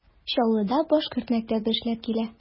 Чаллыда башкорт мәктәбе эшләп килә.